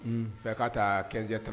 Fɛ k'a taa kɛjɛ tarawele